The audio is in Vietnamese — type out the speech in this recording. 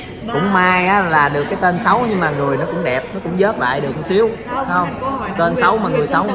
cũng may á là được cái tên xấu nhưng mà người nó cũng cũng đẹp nó cũng vớt lại tí xíu hông tên xấu mà người xấu